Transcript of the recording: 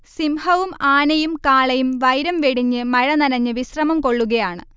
സിംഹവും ആനയും കാളയും വൈരം വെടിഞ്ഞ് മഴനനഞ്ഞ് വിശ്രമം കൊള്ളുകയാണ്